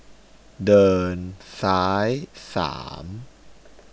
เดินซ้ายสาม